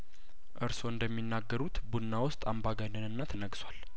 እርስዎ እንደሚናገሩት ቡና ውስጥ አምባገነንነት ነግሷል